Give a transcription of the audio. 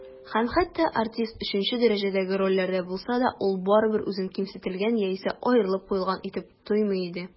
Һәм хәтта артист өченче дәрәҗәдәге рольләрдә булса да, ул барыбыр үзен кимсетелгән яисә аерылып куелган итеп тоймый иде.